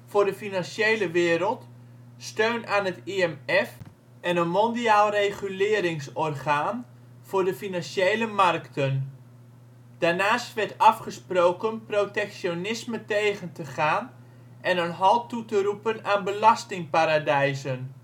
voor de financiële wereld, steun aan het IMF en een mondiaal reguleringsorgaan voor de financiële markten. Daarnaast werd afgesproken protectionisme tegen te gaan en een halt toe te roepen aan belastingparadijzen